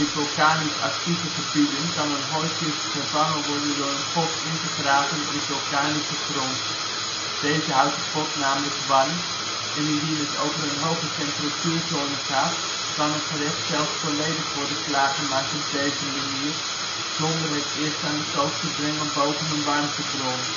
vulkanisch actieve gebieden kan een hooikist vervangen worden door een pot in te graven in vulkanische grond, deze houdt de pot namelijk warm, en indien het over een hoge temperatuur zone gaat, kan een gerecht zelfs volledig worden klaargemaakt op deze manier zonder het eerst aan de kook te brengen boven een warmtebron